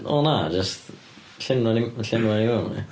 Wel na, jyst llenwa llenwa ni fewn ia.